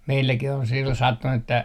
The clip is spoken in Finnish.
meilläkin on silloin sattunut että